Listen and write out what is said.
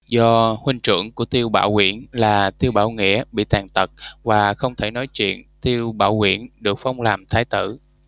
do huynh trưởng của tiêu bảo quyển là tiêu bảo nghĩa bị tàn tật và không thể nói chuyện tiêu bảo quyển được phong làm thái tử